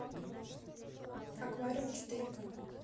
аквариум четыре к